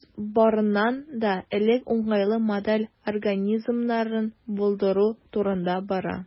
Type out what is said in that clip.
Сүз, барыннан да элек, уңайлы модель организмнарын булдыру турында бара.